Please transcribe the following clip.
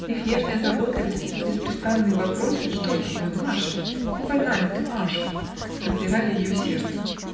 их нежная заботливость и беспрестанные вопросы: что с тобою, Маша? не больна ли ты, Маша? -- раздирали ее сердце.